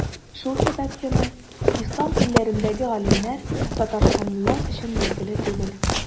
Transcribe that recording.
Шул сәбәплеме, Ислам илләрендәге галимнәр Татарстанлылар өчен билгеле түгел.